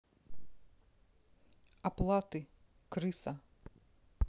оплаты крыса